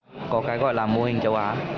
có cái gọi là mô hình châu á